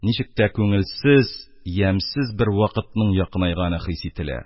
Ничек тә күңелсез, ямьсез бер вакытның якынайганы хис ителә.